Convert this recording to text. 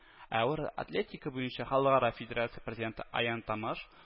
Ә Авыр атлетика буенча халыкара федерация президенты Аян Тамаш